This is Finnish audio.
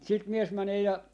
sitten mies menee ja